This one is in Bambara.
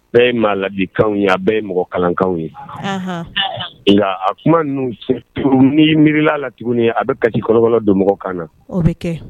Bɛɛ bɛ maa labikan ye a bɛ mɔgɔ kalankan ye nka a kuma ninnu se ni miirila la tuguni a bɛ kasi kɔlɔkɔ don mɔgɔ kan na kɛ